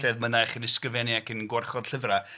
Lle oedd mynaich yn ysgrifennu ac yn gwarchod llyfrau.